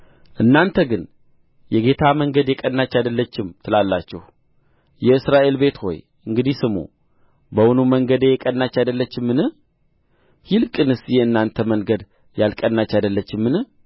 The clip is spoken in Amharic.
እናንተ ግን የጌታ መንገድ የቀናች አይደለችም ትላላችሁ የእስራኤል ቤት ሆይ እንግዲህ ስሙ በውኑ መንገዴ የቀናች አይደለችምን ይልቅስ የእናንተ መንገድ ያልቀናች አይደለችምን